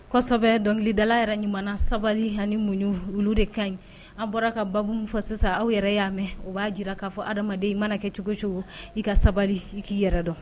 kosɛbɛ, dɔnkilikilidala yɛrɛ ɲumana sabali ani muɲu, olu de kan ɲi, an bɔra ka baabbu min fɔ sisan aw yɛrɛ y'a mɛn o b'a jira k'a fɔ hadamaden i mana kɛ cogo o cogo, i ka sabali, i k'i yɛrɛ don.